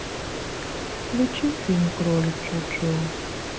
включи фильм кролик джо джо